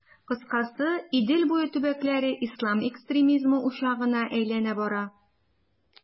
Кыскасы, Идел буе төбәкләре ислам экстремизмы учагына әйләнә бара.